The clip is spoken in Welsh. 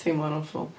Teimlo'n awful.